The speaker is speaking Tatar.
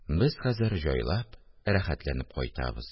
Без хәзер җайлап, рәхәтләнеп кайтабыз